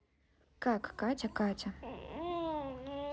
как катя катя